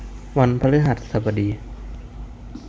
วันพฤหัสบดี